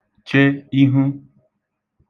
che ihu